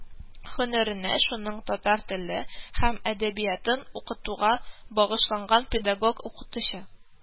Һөнәренә, шуның татар теле һәм әдәбиятын укытуга багышлаган педагог укытучы